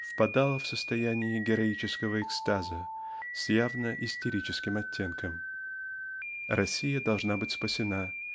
впадал в состояние героического экстаза с явно истерическим оттенком. Россия должна быть спасена